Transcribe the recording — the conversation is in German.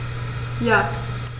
Ja.